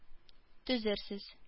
Төзәрсез